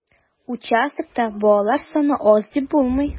Участокта балалар саны аз дип булмый.